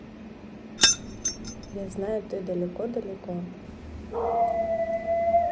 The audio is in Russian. я знаю ты далеко далеко